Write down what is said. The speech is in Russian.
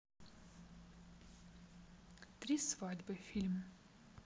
три свадьбы фильм